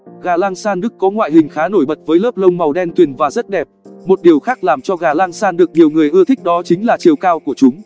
gà langshan đức có ngoại hình khá nổi bật với lớp lông màu đen tuyền và rất đẹp một điều khác làm cho gà langshan được nhiều người ưa thích đó chính là chiều cao của chúng